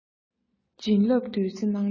བྱིན བརླབས བདུད རྩི གནང བྱུང